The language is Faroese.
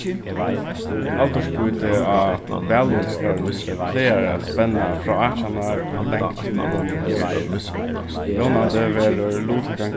aldursbýtið á valluttakarunum plagar at spenna frá átjan ár og langt upp um hálvfjerðs vónandi verður luttøkan